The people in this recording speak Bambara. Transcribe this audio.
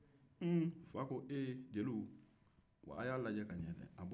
a ko ee jeli a' y'a lajɛ ka ɲɛ dɛ